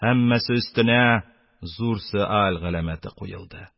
Кәммәсе өстенә зур сөаль галәмәте куелды.